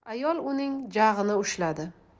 ayol uning jag'ini ushladi